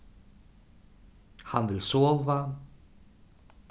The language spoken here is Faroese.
hann vil sova